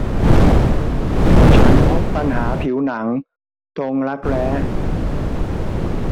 ฉันพบปัญหาผิวหนังตรงรักแร้